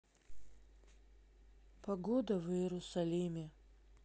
погода в иерусалиме